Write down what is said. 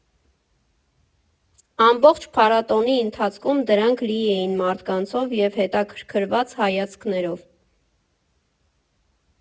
Ամբողջ փառատոնի ընթացքում դրանք լի էին մարդկանցով և հետաքրքրված հայացքներով։